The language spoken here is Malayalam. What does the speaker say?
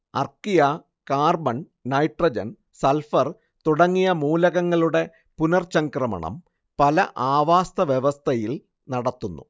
അർക്കിയ കാർബൺ നൈട്രജൻ സൾഫർ തുടങ്ങിയ മൂലകങ്ങളുടെ പുനർചംക്രമണം പല ആവാസവ്യവസ്ഥയിൽ നടത്തുന്നു